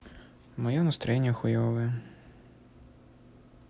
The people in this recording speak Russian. мое настроение хуевое